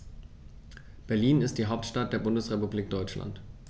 Berlin ist die Hauptstadt der Bundesrepublik Deutschland.